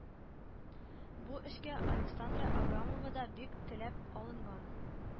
Бу эшкә Александра Абрамова да бик теләп алынган